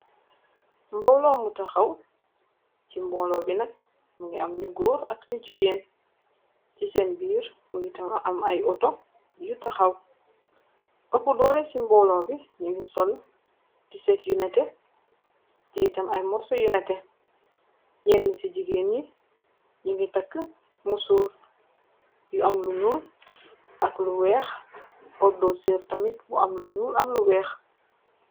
Mboolo mu taxaw ci mboolo bi nag mu ngi am ñu góor ak ñu jigéen ci seen biir mungi am tamit ay auto yu taxaw ëppu doole ci mboolo bi ñu ngi sol tiset yu neteh te itam ay morso yu nate ñenn ci jigéen yi ñu ngi takk mu sóor yu am lu ñuul ak lu weex oddo sër tamit bu am lu ñyuul am lu weex.